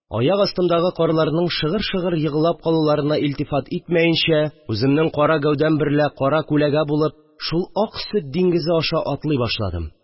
Аяк астымдагы карларның шыгыр-шыгыр еглап калуларына илтифат итмәенчә, үземнең кара гәүдәм берлә кара күләгә булып шул ак сөт диңгезе аша атлый башладым